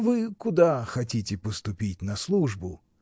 — Вы куда хотите поступить на службу?